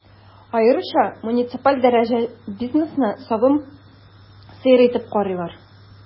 Аеруча муниципаль дәрәҗәдә бизнесны савым сыеры итеп карыйлар.